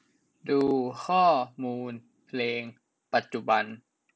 ดูข้อมูลเพลงปัจจุบัน